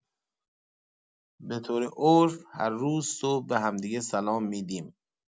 به‌طور عرف، هر روز صبح به همدیگه سلام می‌دیم.